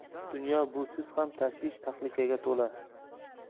dunyo busiz ham tashvish tahlikaga to'la